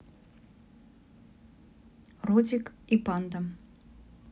ротик и панда